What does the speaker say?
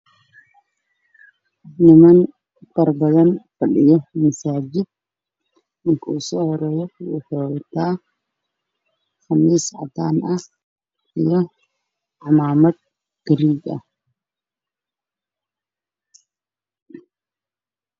Meeshaan waxaa ka muuqdo niman faro badan oo fadhiyo masaajid